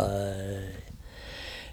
ei